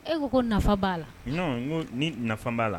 E ko ko nafa b'a la ko nafa b'a la